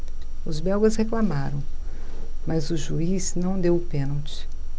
os belgas reclamaram mas o juiz não deu o pênalti